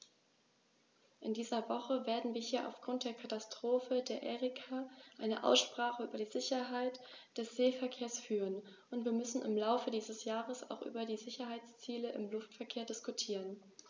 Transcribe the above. In dieser Woche werden wir hier aufgrund der Katastrophe der Erika eine Aussprache über die Sicherheit des Seeverkehrs führen, und wir müssen im Laufe dieses Jahres auch über die Sicherheitsziele im Luftverkehr diskutieren.